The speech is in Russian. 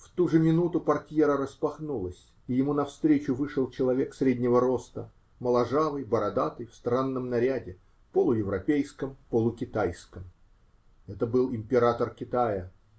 В ту же минуту портьера распахнулась, и ему навстречу вышел человек среднего роста, моложавый, бородатый, в странном наряде -- полуевропейском, полукитайском. Это был император Китая.